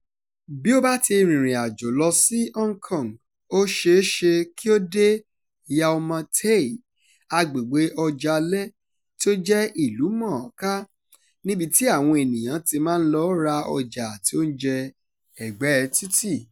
Bí o bá ti rìnrìn àjò lọ sí Hong Kong, o ṣe é ṣe kí o dé Yau Ma Tei, agbègbè ọjà alẹ́ tí ó jẹ́ ìlúmọ̀nánká níbi tí àwọn ènìyàn ti máa ń lọ ra ọjà àti oúnjẹ ẹ̀gbẹ́ẹ títì.